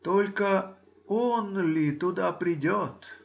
Только он ли туда придет?